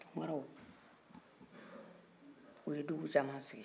tunkaraw u ye dugu caama sigi